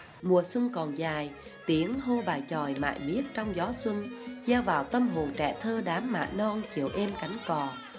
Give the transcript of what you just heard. mùa xuân còn dài tiếng hô bài chòi mải miết trong gió xuân gieo vào tâm hồn trẻ thơ đám mạ non chiều êm cánh cò